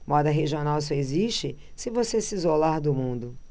moda regional só existe se você se isolar do mundo